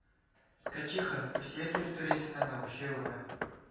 Скачиха Русия территориясеннән агучы елга